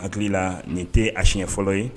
N hakili la nin tɛ a siɲɛ fɔlɔ ye.